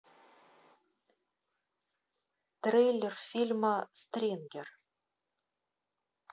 трейлер фильма стрингер